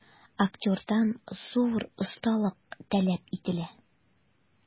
Актердан зур осталык таләп ителә.